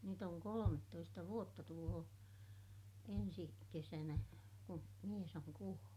nyt on kolmetoista vuotta tulee ensi kesänä kun mies on kuollut